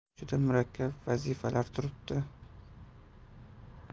juda murakkab vazifalar turibdi